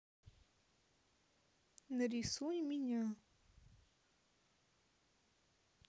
нарисуй меня